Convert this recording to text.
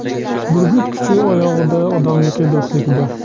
burgut kuchi oyog'ida odamniki do'stlikda